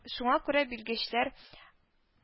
Шуңа күрә билгечләр